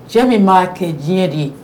Cɛ min b'a kɛ diɲɛ de ye